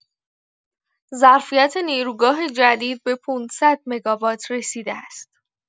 ظرفیت نیروگاه جدید به ۵۰۰ مگاوات رسیده است.